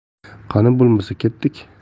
qani bo'lmasa ketdik